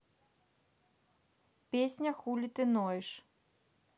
песня хули ты ноешь